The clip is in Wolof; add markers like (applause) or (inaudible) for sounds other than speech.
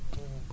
(hesitation)